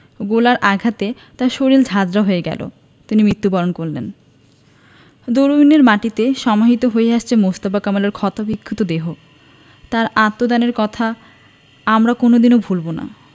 গোলার আঘাতে তার শরীর ঝাঁঝরা হয়ে গেল তিনি মৃত্যুবরণ করলেন দরুইনের মাটিতে সমাহিত হয়ে আছে মোস্তফা কামালের ক্ষতবিক্ষত দেহ তাঁর আত্মদানের কথা আমরা কোনো দিন ভুলব না